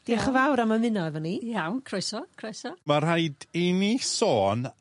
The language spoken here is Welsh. Diolch yn fawr am ymuno efo ni. Iawn, croeso, croes. Ma' rhaid i ni sôn